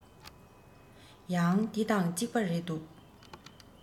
ཡང འདི དང གཅིག པ རེད འདུག